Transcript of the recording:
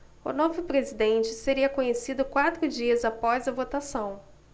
o novo presidente seria conhecido quatro dias após a votação